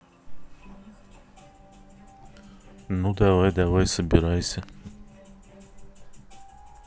ну давай давай собирайся